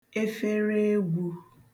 efereegwū